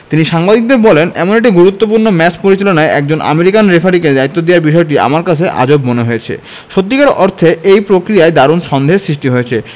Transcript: তিনি সাংবাদিকদের বলেন এমন একটি গুরুত্বপূর্ণ ম্যাচ পরিচালনায় একজন আমেরিকান রেফারিকে দায়িত্ব দেয়ার বিষয়টি আমার কাছে আজব মনে হয়েছে সত্যিকার অর্থে এই প্রক্রিয়ায় দারুণ সন্দেহের সৃষ্টি হয়েছে